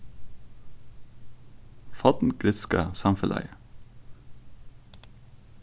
forngrikska samfelagið